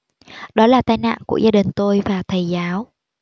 đó là tai nạn của gia đình tôi và thầy giáo